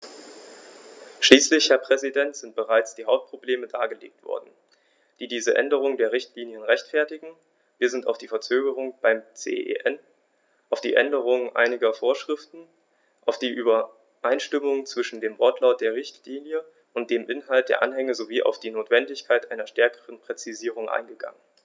Schließlich, Herr Präsident, sind bereits die Hauptprobleme dargelegt worden, die diese Änderung der Richtlinie rechtfertigen, wir sind auf die Verzögerung beim CEN, auf die Änderung einiger Vorschriften, auf die Übereinstimmung zwischen dem Wortlaut der Richtlinie und dem Inhalt der Anhänge sowie auf die Notwendigkeit einer stärkeren Präzisierung eingegangen.